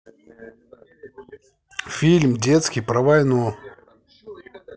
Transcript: фильм детский про войну